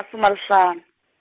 -asuma alihlanu.